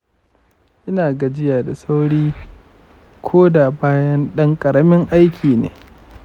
ina gajiya da sauri ko da bayan ɗan ƙaramin aiki ne.